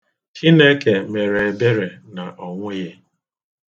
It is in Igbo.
Chineke mere ebere na ọ nwụghị.